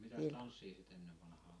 mitäs tansseja sitä ennen vanhaan